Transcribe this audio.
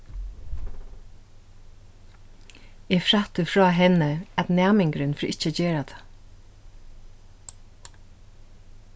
eg frætti frá henni at næmingurin fer ikki at gera tað